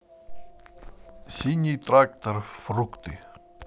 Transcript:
окко игра